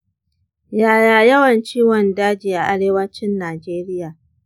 yaya yawan ciwon daji a arewacin najeriya?